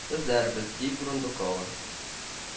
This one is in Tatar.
Эзләрбез, ди брундукова